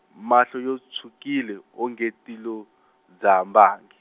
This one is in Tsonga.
mahlo yo tshwukile o nge ti lo, dzaha mbangi.